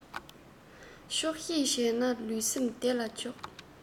ཆོག ཤེས བྱས ན ལུས སེམས བདེ ལ འཇོག